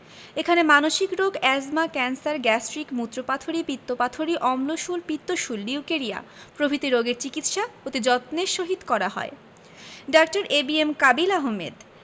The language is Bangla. এখানে মানসিক রোগ এ্যজমা ক্যান্সার গ্যাস্ট্রিক মুত্রপাথড়ী পিত্তপাথড়ী অম্লশূল পিত্তশূল লিউকেরিয়া প্রভিতি রোগের চিকিৎসা অতি যত্নের সহিত করা হয় ডাঃ A B M Kabil Ahmed